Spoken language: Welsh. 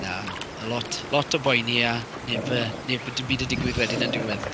Na, a lot lot o boeni a neb yy neb... dim byd yn digwydd wedyn yn diwedd.